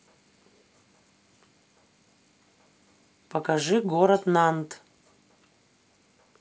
покажи город нант